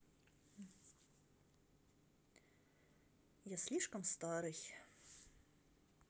я слишком старый